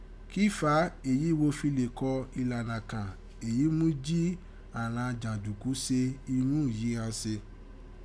Kí fà á èyí wo fi lè kọ ìlànà kàn èyí mú jí àghan jàǹdùkú se irun yìí án se?